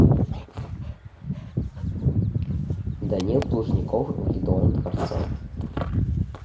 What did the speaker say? данил плужников в ледовом дворце